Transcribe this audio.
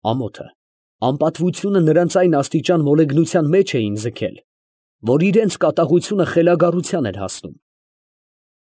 Ամոթը, անպատվությունը նրանց այն աստիճան մոլեգնության մեջ էին ձգել, որ իրանց կատաղությունը խելագարության էր հասնում։